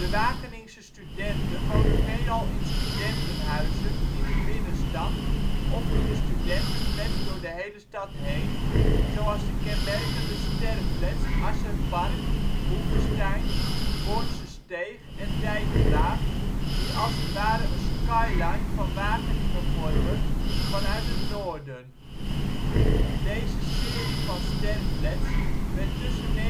Wageningse studenten wonen veelal in studentenhuizen in de binnenstad of in de studentenflats door de hele stad heen, zoals de kenmerkende sterflats Asserpark, Hoevestein, Bornsesteeg en Dijkgraaf, die als het ware een skyline van Wageningen vormen vanuit het noorden. Deze serie sterflats werd tussen